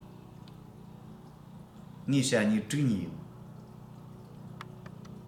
ངས ཞྭ སྨྱུག དྲུག ཉོས ཡོད